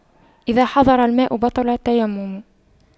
إذا حضر الماء بطل التيمم